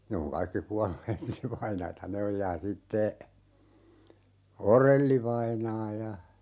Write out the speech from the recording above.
ne on kaikki kuolleet niin vainaita ne on ja sitten Orell-vainaa ja